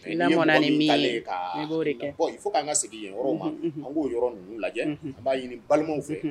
Len' bɔ fo k' ka sigi ma a b' yɔrɔ ninnu lajɛ b'a ɲini balimaw fɛ